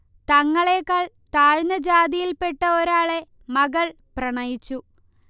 തങ്ങളേക്കാൾ താഴ്ന്ന ജാതിയിൽെപ്പട്ട ഒരാെള മകൾ പ്രണയിച്ചു